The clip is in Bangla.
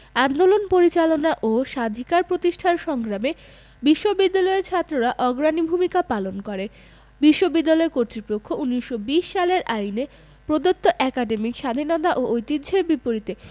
আন্দোলন পরিচালনা ও স্বাধিকার প্রতিষ্ঠার সংগ্রামে বিশ্ববিদ্যালয়ের ছাত্ররা অগ্রণী ভূমিকা পালন করে বিশ্ববিদ্যালয় কর্তৃপক্ষ ১৯২০ সালের আইনে প্রদত্ত একাডেমিক স্বাধীনতা ও ঐতিহ্যের বিপরীতে